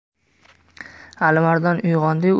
alimardon uyg'ondi yu